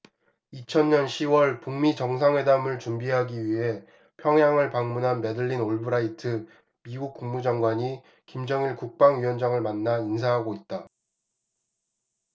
이천 년 시 월 북 미 정상회담을 준비하기 위해 평양을 방문한 매들린 올브라이트 미국 국무장관이 김정일 국방위원장을 만나 인사하고 있다